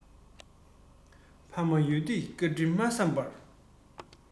ཕ མ ཡོད དུས བཀའ དྲིན མ བསམས པར